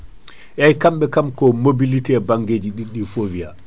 eyyi kamɓe kam ko mobilité banggue ɗiɗɗi foo wiya